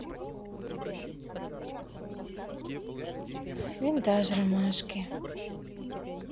винтаж ромашки